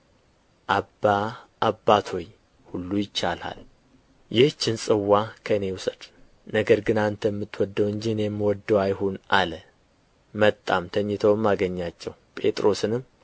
አባ አባት ሆይ ሁሉ ይቻልሃል ይህችን ጽዋ ከእኔ ውሰድ ነገር ግን አንተ የምትወደው እንጂ እኔ የምወደው አይሁን አለ መጣም ተኝተውም አገኛቸው ጴጥሮስንም